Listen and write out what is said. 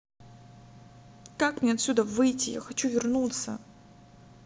как мне отсюда выйти я хочу вернуться